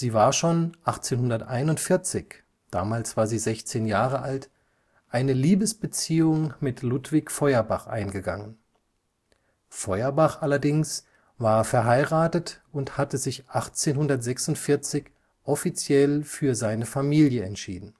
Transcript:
war schon 1841 – damals war sie 16 Jahre alt – eine Liebesbeziehung mit Ludwig Feuerbach eingegangen. Feuerbach allerdings war verheiratet und hatte sich 1846 offiziell für seine Familie entschieden